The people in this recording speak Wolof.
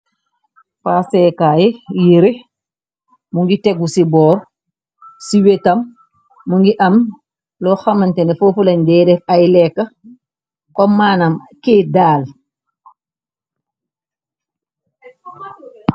Pasekaay yi yerre mu ngi tegu ci boor, ci wétam mu ngi am loo xamanténé fofalandeeref ay lékka kom maanam ké daal.